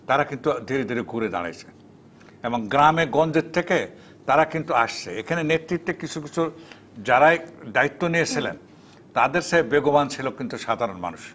তারা কিন্তু ধীরে ধীরে ঘুরে দাঁড়াইছে এবং গ্রামেগঞ্জে থেকে তারা কিন্তু আসছে এখানে নেতৃত্বে কিছু কিছু যারা এই দায়িত্ব নিয়েছিলেন তাদের চেয়ে বেগবান ছিল কিন্তু সাধারণ মানুষ